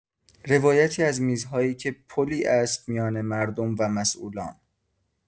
روایتی از میزهایی که پلی است میان مردم و مسئولان